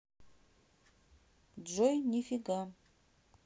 джой нифига